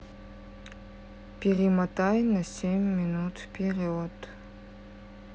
перемотай на семь минут вперед